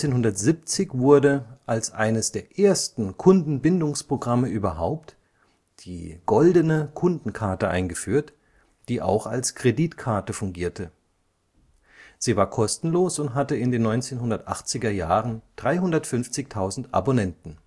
1970 wurde (als eines der ersten Kundenbindungsprogramme überhaupt) die Goldene Kundenkarte eingeführt, die auch als Kreditkarte fungierte. Sie war kostenlos und hatte in den 1980er-Jahren 350.000 Abonnenten